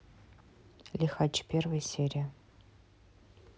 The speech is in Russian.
лихач первая серия